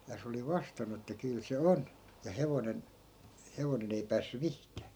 ja se oli vastannut että kyllä se on ja hevonen hevonen ei päässyt mihinkään